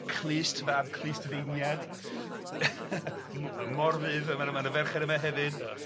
Clust fab Clustfeiniad. Mo- yy Morfudd, ma' na ma' na ferched yma hefyd. ia.